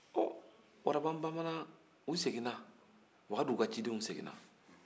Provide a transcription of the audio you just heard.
u seginna wagadu ka cidenw seginna